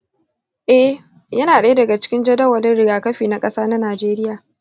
eh, yana daya daga cikin jadawalin rigakafi na kasa na najeriya.